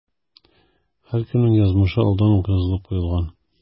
Һәркемнең язмышы алдан ук язылып куелган.